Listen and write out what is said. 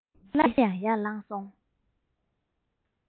བརྒྱབ སྟེ སླར ཡང ཡར ལངས སོང